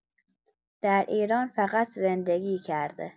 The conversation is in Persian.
در ایران فقط زندگی کرده.